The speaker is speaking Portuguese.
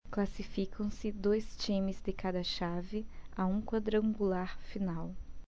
classificam-se dois times de cada chave a um quadrangular final